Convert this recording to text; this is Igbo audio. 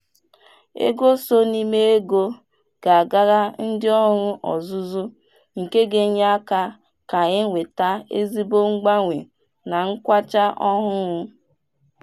Ego so n'ime ego ga agara ndị ọrụ ọzụzụ nke ga-enye aka ka enweta ezigbo mgbanwe na Kwacha ọhụrụ.